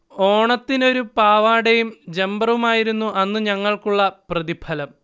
ഓണത്തിനൊരു പാവാടയും ജംബറുമായിരുന്നു അന്നു ഞങ്ങൾക്കുള്ള പ്രതിഫലം